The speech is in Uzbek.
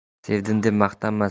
sevdim deb maqtanma